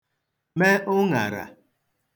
me ụṅàrà